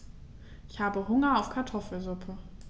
Ich habe Hunger auf Kartoffelsuppe.